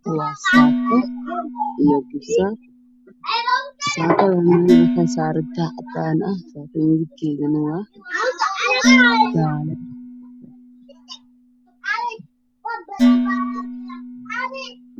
Waa saaka iyo garbisaar saakadu waxay saaran tahay meel caddaan ah midabkeedana waa jaalle